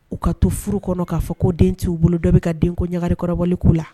U ka to furu kɔnɔ k'a fɔ ko den t'u bolo dɔ bɛ ka denko ɲagagali kɔrɔbɔli k'u la